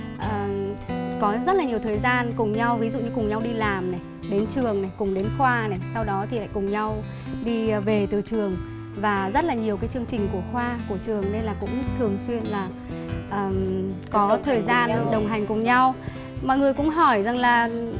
ờ có rất là nhiều thời gian cùng nhau ví dụ như cùng nhau đi làm này đến trường này cùng đến khoa này sau đó thì lại cùng nhau đi về từ trường và rất là nhiều cái chương trình của khoa của trường nên là cũng thường xuyên là ờm có thời gian đồng hành cùng nhau mọi người cũng hỏi rằng là